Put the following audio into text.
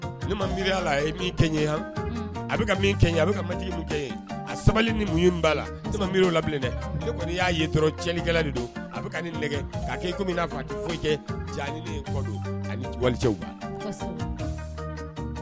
Ma miiriya la min kɛ ye a bɛ ka kɛ ɲɛ a bɛ ka ma kɛ ye a sabali ni mun ba la mi la dɛ kɔni y'a ye cɛlikɛla de don a bɛ nɛgɛ' komi n'a foyi kɛ wali